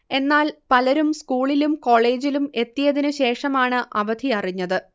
എന്നാൽ പലരും സ്കൂളിലും കോളേജിലും എത്തിയതിന് ശേഷമാണ് അവധിയറിഞ്ഞത്